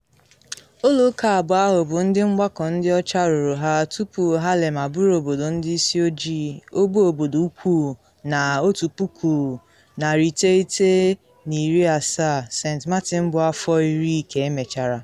Ụlọ ụka abụọ ahụ bụ ndị mgbakọ ndị ọcha rụrụ ha tupu Harlem abụrụ obodo ndị isi ojii - Ogbe Obodo Ukwuu na 1870, St. Martin bụ afọ iri ka emechara.